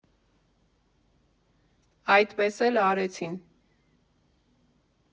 Այդպես էլ արեցին.